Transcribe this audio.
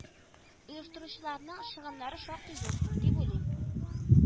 Оештыручыларның чыгымнары шактый зур, дип уйлыйм